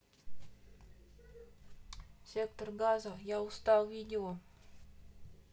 сектор газа я устал видео